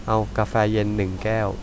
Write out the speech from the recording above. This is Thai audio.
เอากาแฟเย็นหนึ่งแก้ว